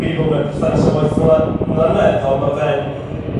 fi 'di bod mewn perthynas am wyth mly- mlyned on' ma' fe'n